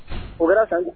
O kɛra ka